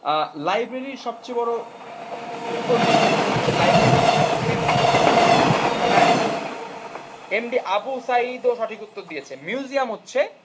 library সবচেয়ে বড় library কিন্তু হ্যাঁ এম ডি আবু সায়ীদ ও সঠিক উত্তর দিয়েছে মিউজিয়াম হচ্ছে